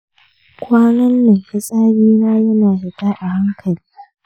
kwanannan fitsari na yana fita a hankali.